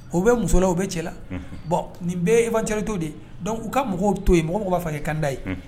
U bɛ muso la u bɛ cɛ la unhun bon nin bee ye éventualité u de ye donc u' ka mɔgɔw to ye mɔgɔ mɔgɔ b'a fɛ ka kɛ candidat ye unhun